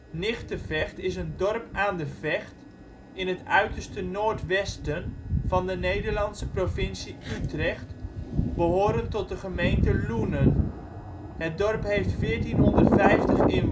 Nigtevecht is een dorp aan de Vecht in het uiterste noordwesten van de Nederlandse provincie Utrecht, behorend tot de gemeente Loenen. Het dorp heeft 1450 inwoners (2004). Tot 1989